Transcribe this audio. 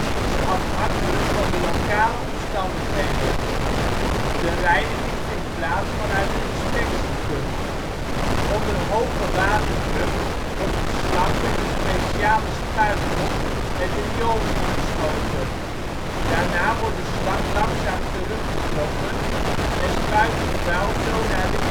is afhankelijk van de lokale omstandigheden. De reiniging vindt plaats vanuit een inspectieput. Onder hoge waterdruk wordt een slang met een speciale spuitkop het riool in geschoten, daarna wordt de slang langzaam terug getrokken en spuit het vuil zo naar de inspectieput